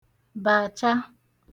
bàcha